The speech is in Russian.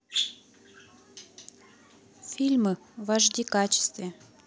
фильмы в аш ди качестве